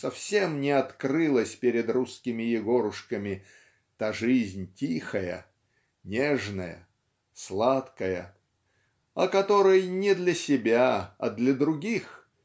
совсем не открылась перед русскими Егорушками та жизнь тихая нежная сладкая о которой не для себя а для других